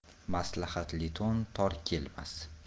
maslahatli to'n tor kelmas